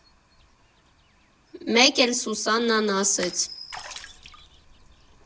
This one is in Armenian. Մեկ էլ Սուսաննան ասեց.